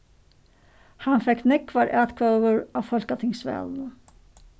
hann fekk nógvar atkvøður á fólkatingsvalinum